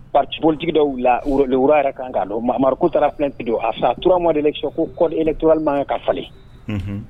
Partpolitigidɔw la , Rois yɛrɛ ka kan k'a dɔn Mahamar k'u taarara fɛngɛ sigi ko à 3 mois de l'election ko code electorale _ man kan ka falen, unhun